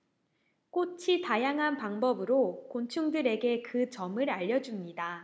꽃이 다양한 방법으로 곤충들에게 그 점을 알려 줍니다